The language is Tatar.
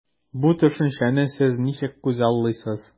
Бу төшенчәне сез ничек күзаллыйсыз?